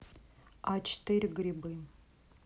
а четыре грибы